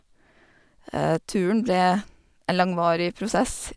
Turen ble en langvarig prosess.